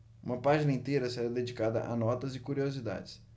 uma página inteira será dedicada a notas e curiosidades